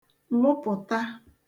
lụpụ̀ta